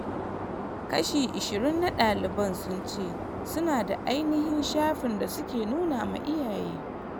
Kashi ishirin na daliban sun ce su na da “ainihin” shafin da su ke nuna ma iyaye